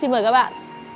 xin mời các bạn